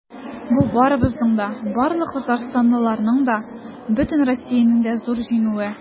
Бу барыбызның да, барлык татарстанлыларның да, бөтен Россиянең дә зур җиңүе.